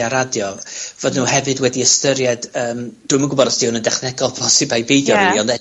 a radio, fod nw hefyd wedi ystyried yym, dwi'm yn gwbod os 'di 'wn yn dechnegol posib ai...